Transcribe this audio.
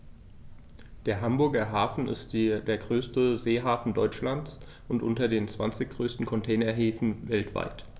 Der Hamburger Hafen ist der größte Seehafen Deutschlands und unter den zwanzig größten Containerhäfen weltweit.